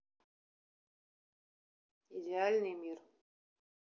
идеальный мир